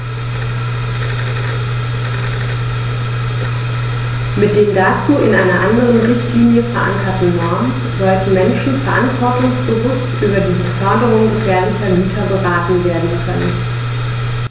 Mit den dazu in einer anderen Richtlinie, verankerten Normen sollten Menschen verantwortungsbewusst über die Beförderung gefährlicher Güter beraten werden können.